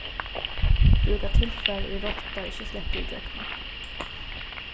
brúka tilfar ið rotta ikki sleppur ígjøgnum